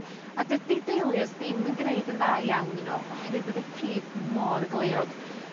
... a dydi dahlias ddim yn gneud yn dda iawn yno oherwydd bod y pridd mor gleiog.